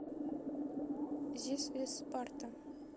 зис ис спарта